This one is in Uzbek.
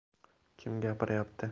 kim gapiryapti